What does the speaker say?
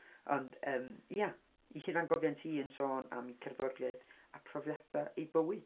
Ond yym, ia, ei hunangofiant hi yn sôn am ei cerddoriaeth a profiadau ei bywyd.